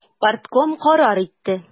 Партком карар итте.